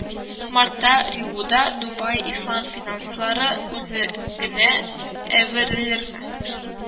Мартта риуда “дубай ислам финанслары үзегенә әверелерме